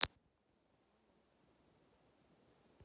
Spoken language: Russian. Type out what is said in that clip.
в школе